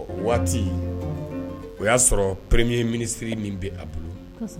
Waati o y'a sɔrɔ premeeye minisiriri min bɛ a bolo